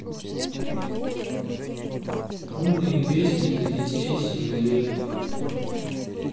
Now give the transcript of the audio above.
умные песни для детей семи лет